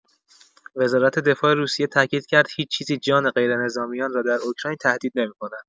وزارت دفاع روسیه تاکید کرد هیچ‌چیزی جان غیرنظامیان را در اوکراین تهدید نمی‌کند.